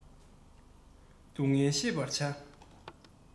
སྡུག བསྔལ ཤེས པར བྱ